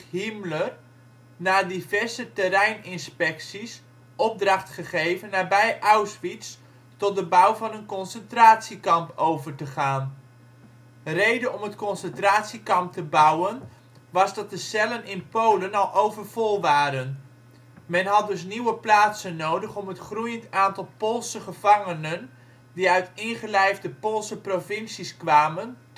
Himmler na diverse terreininspecties opdracht gegeven nabij Auschwitz tot de bouw van een concentratiekamp over te gaan. Reden om het concentratiekamp te bouwen was dat de cellen in Polen al overvol waren. Men had dus nieuwe plaatsen nodig om het groeiend aantal Poolse gevangenen die uit ingelijfde Poolse provincies kwamen